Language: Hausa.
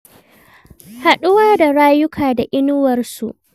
Haɗuwa da rayuka da inuwarsu